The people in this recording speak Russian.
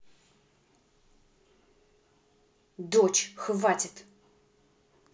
дочь хватит